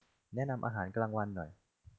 แนะนำอาหารกลางวันหน่อย